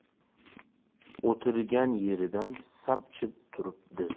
o'tirgan yeridan sapchib turibdi